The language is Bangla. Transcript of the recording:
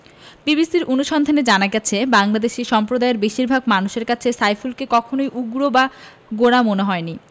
বিবিসির অনুসন্ধানে জানা গেছে বাংলাদেশি সম্প্রদায়ের বেশির ভাগ মানুষের কাছে সাইফুলকে কখনোই উগ্র বা গোঁড়া মনে হয়নি